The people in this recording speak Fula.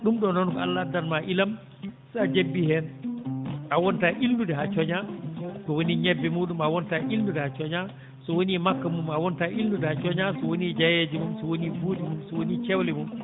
ɗum ɗoo noon ko Allah addan maa ilam so a jabbii heen a wontaa ilnude haa coñaa so wonii ñebbe muɗum a wontaa ilnude haa coñaa so wonii makka mum a wontaa ilnude haa coñaa so wonii jayeeje mum so wonii buudi mum so wonii cewle mum